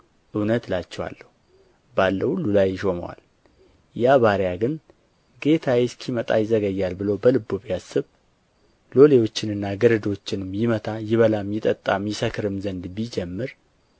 እውነት እላችኋለሁ ባለው ሁሉ ላይ ይሾመዋል ያ ባሪያ ግን ጌታዬ እስኪመጣ ይዘገያል ብሎ በልቡ ቢያስብ ሎሌዎችንና ገረዶችንም ይመታ ይበላም ይጠጣም ይሰክርም ዘንድ ቢጀምር